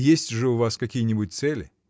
— Есть же у вас какие-нибудь цели?